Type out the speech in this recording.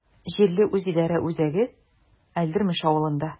Җирле үзидарә үзәге Әлдермеш авылында.